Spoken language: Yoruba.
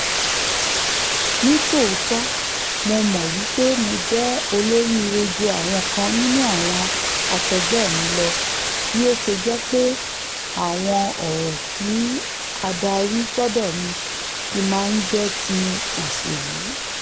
Ní tòótọ́, Mo mọ̀ wí pé Mo jẹ́ olóríire ju àwọn kan nínú àwọn akẹgbẹ́ mi lọ bí ó ṣe jẹ́pé àwọn ọ̀rọ̀ tí a darí sọ́dọ̀ mi tí máa ńjẹ́ ti òṣèlú.